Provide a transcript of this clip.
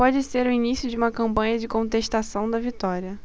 pode ser o início de uma campanha de contestação da vitória